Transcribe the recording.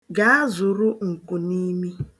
Gaa zụrụ nkunimi